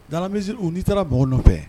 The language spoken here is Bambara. Dalamisiri u n'i taara mɔgɔw nɔfɛ